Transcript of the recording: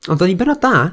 ond oedd hi'n bennod dda!